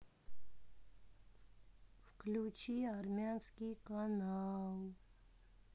включи армянский канал